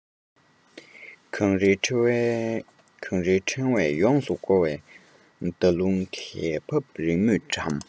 གངས རིའི འཕྲེང བས ཡོངས སུ བསྐོར བའི ཟླ ཀླུང དལ འབབ རིང མོས འགྲམ